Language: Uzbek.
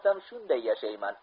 shunday yashayman